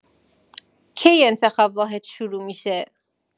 کی انتخاب واحد شروع می‌شه؟